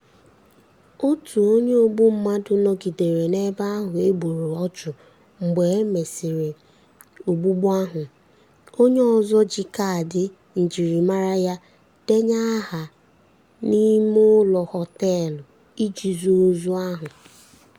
Otu onye ogbu mmadụ nọgidere n'ebe ahụ e gburu ọchụ mgbe e mesịrị ogbugbu ahụ; onye ọzọ ji kaadị njirimara ya denye aha n'imeụlọ họteelụ iji zoo ozu ahụ.